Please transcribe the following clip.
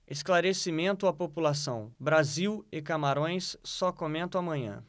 esclarecimento à população brasil e camarões só comento amanhã